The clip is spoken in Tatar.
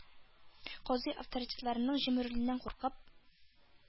Казый, авторитетының җимерелүеннән куркып,